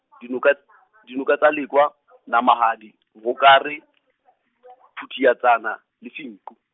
dinoka dinoka tsa Lekoa, Namahadi , Mohokare, Phuthiatsana le Senqu.